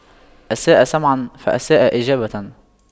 أساء سمعاً فأساء إجابة